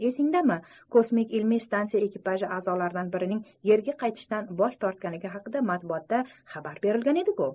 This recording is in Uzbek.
esingdami kosmik ilmiy stansiya ekipaji a'zolaridan birining yerga qaytishdan bosh tortganligi haqida matbuotda xabar berilgan edi